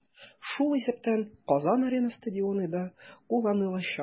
Шул исәптән "Казан-Арена" стадионы да кулланылачак.